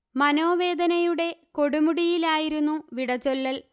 മനോവേദനയുടെ കൊടുമുടിയിലായിരുന്നു വിടചൊല്ലൽ